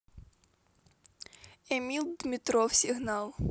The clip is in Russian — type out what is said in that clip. эмил димитров сигнал